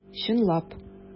Чынлап!